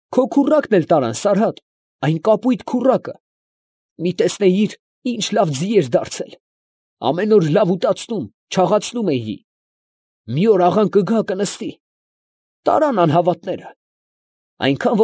Քո քուռակն էլ տարան, Սարհատ, այն կապույտ քուռակը. մի տեսնեի՜ր, ի՜նչ լավ ձի էր դարձել. ամեն օր լավ ուտացնում, չաղացնում էի, մի օր աղան կգա, կնստի, տարան անհավատները… այնքան։